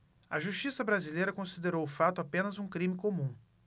a justiça brasileira considerou o fato apenas um crime comum